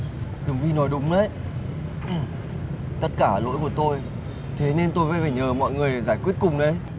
tường vy nói đúng đấy tất cả là lỗi của tôi thế nên tôi mới phải nhờ mọi người để giải quyết cùng đây